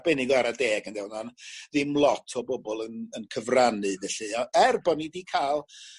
arbennig o ara deg ynde o ran ddim lot o bobol yn yn cyfrannu felly a er bo' ni 'di ca'l